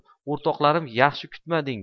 o'rtoqlarimni yaxshi kutmading